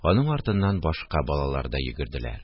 Аның артыннан башка балалар да йөгерделәр